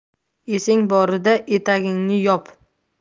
esing borida etagingni yop